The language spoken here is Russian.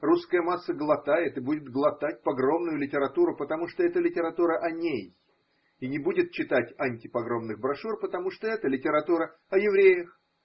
Русская масса глотает и будет глотать погромную литературу, потому что это литература о ней, и не будет читать антипогромных брошюр, потому что это литература о евреях.